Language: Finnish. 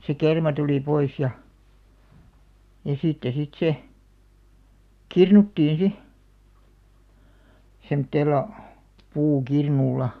se kerma tuli pois ja ja sitten sitten se kirnuttiin sitten semmoisella puukirnulla